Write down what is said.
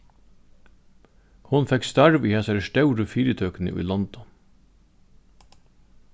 hon fekk starv í hasari stóru fyritøkuni í london